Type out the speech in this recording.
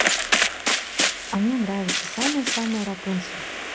а мне нравится самая самая рапунцель